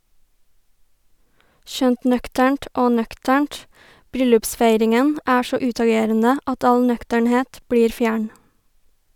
Skjønt nøkternt og nøkternt bryllupsfeiringen er så utagerende at all nøkternhet blir fjern.